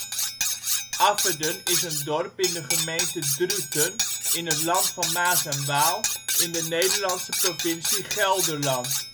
Afferden is een dorp in de gemeente Druten in het Land van Maas en Waal in de Nederlandse provincie Gelderland